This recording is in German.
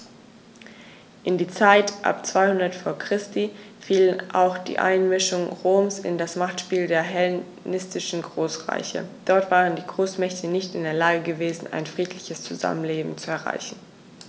In die Zeit ab 200 v. Chr. fiel auch die Einmischung Roms in das Machtspiel der hellenistischen Großreiche: Dort waren die Großmächte nicht in der Lage gewesen, ein friedliches Zusammenleben zu erreichen.